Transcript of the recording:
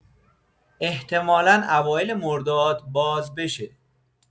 احتمالا اوایل مرداد باز بشه